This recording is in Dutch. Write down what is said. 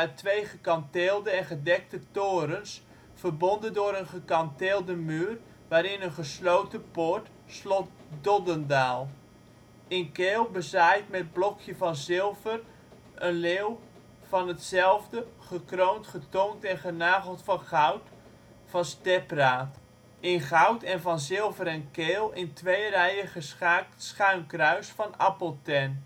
twee gekanteelde en gedekte torens, verbonden door een gekanteelde muur, waarin een gesloten poort (slot Doddendael). In keel, bezaaid met blokje van zilver, een leeuw van hetzelfde, gekroond, getongd en genageld van goud (Van Stepraad). In goud en van zilver en keel in twee rijen geschaakt schuinkruis (Van Appeltern